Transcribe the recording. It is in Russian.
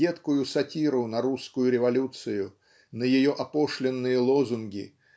едкую сатиру на русскую революцию на ее опошленные лозунги